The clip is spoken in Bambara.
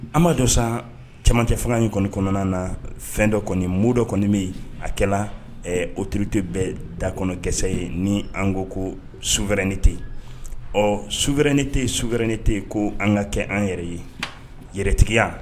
Anba dɔ san caman tɛ fanga in kɔni kɔnɔna na fɛn dɔ kɔni mo dɔ kɔni bɛ yen a kɛra o teriurute bɛ dakɔnɔkisɛsɛ ye ni an ko ko su wɛrɛrɛni tɛ ɔ su wɛrɛrɛnnen tɛ su wɛrɛrɛnin tɛ yen ko an ka kɛ an yɛrɛ ye yɛrɛtigiya